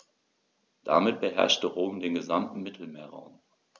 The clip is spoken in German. Damit beherrschte Rom den gesamten Mittelmeerraum.